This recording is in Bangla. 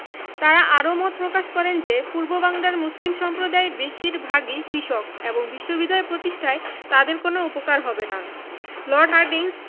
তাঁরা আরও মত প্রকাশ করেন যে পূর্ববাংলার মুসলিম সম্প্রদায় বেশির ভাগই কৃষক এবং বিশ্ববিদ্যালয় প্রতিষ্ঠায় তাদের কোনো উপকার হবে না লর্ড হার্ডিঞ্জ